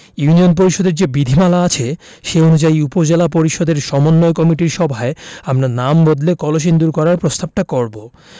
union পরিষদের যে বিধিমালা আছে সে অনুযায়ী উপজেলা পরিষদের সমন্বয় কমিটির সভায় আমরা নাম বদলে কলসিন্দুর করার প্রস্তাবটা করব